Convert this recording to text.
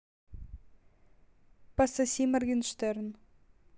пососи моргенштерн